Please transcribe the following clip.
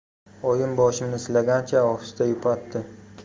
oyim boshimni silagancha ohista yupatdi